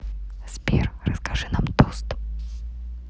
сбер расскажи нам тост